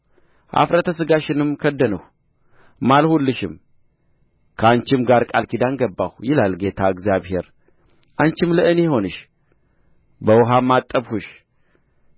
ኀፍረተ ሥጋሽንም ከደንሁ ማልሁልሽም ከአንቺም ጋር ቃል ኪዳን ገባሁ ይላል ጌታ እግዚአብሔር አንቺም ለእኔ ሆንሽ በውኃም አጠብሁሽ